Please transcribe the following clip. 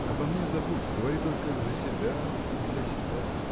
Обо мне забудь, говори только за себя и для себя.